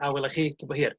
a welai chi cyn bo' hir.